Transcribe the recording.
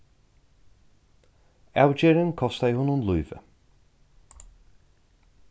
avgerðin kostaði honum lívið